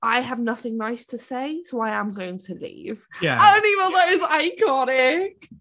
"I have nothing nice to say, so I am going to leave... ie ...a o'n ni'n meddwl that was iconic!